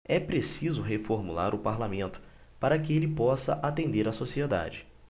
é preciso reformular o parlamento para que ele possa atender a sociedade